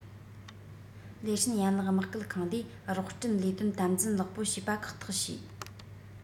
ལེ ཧྲན ཡན ལག དམག ཁུལ ཁང ལས རོགས སྐྲུན ལས དོན དམ འཛིན ལེགས པོར བྱོས པ ཁག ཐག བྱོས